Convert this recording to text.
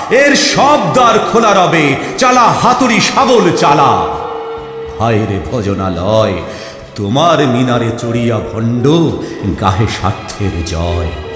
এর সব দ্বার এর খোলা রবে চালা হাতুড়ি শাবল চালা হায় রে ভজনালয় তোমার মিনারে চড়িয়া ভন্ড গাহে স্বার্থের জয়